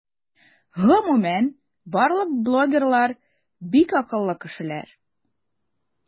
Гомумән барлык блогерлар - бик акыллы кешеләр.